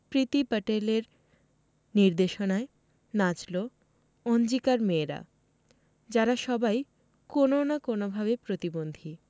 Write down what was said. প্রীতি পটেলের নির্দেশনায় নাচলো অঞ্জিকার মেয়েরা যারা সবাই কোনও না কোনও ভাবে প্রতিবন্ধী